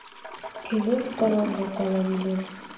Көнем караңгы кала минем!